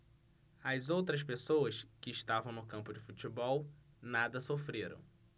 as outras pessoas que estavam no campo de futebol nada sofreram